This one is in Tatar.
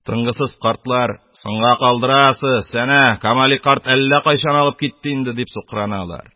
Тынгысыз картлар: "Соңга калдырасыз, әнә Камали карт әллә кайчан алып китте инде",-дип сукраналар.